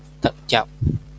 thận trọng